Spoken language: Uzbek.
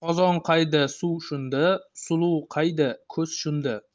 qozon qayda suv shunda suluv qayda ko'z shunda